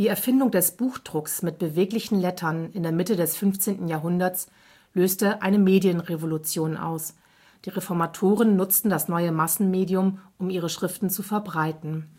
Erfindung des Buchdrucks mit beweglichen Lettern (Mitte des 15. Jahrhunderts) löste eine Medienrevolution aus. Die Reformatoren nutzten das neue Massenmedium, um ihre Schriften zu verbreiten